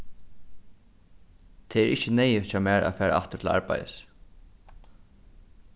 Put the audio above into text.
tað er ikki neyðugt hjá mær at fara aftur til arbeiðis